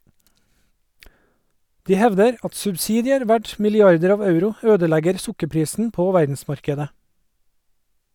De hevder at subsidier verdt milliarder av euro ødelegger sukkerprisen på verdensmarkedet.